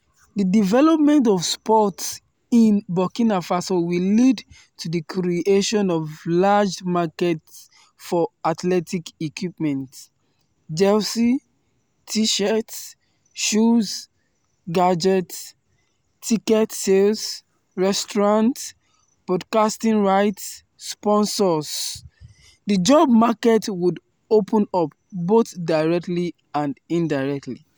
The development of sports in Burkina Faso will lead to the creation of large markets for athletic equipment (jerseys, T-shirts, shoes, gadgets), ticket sales, restaurants, broadcasting rights, sponsors… The job market would open up, both directly and indirectly.